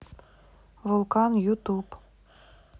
вулкан ютюб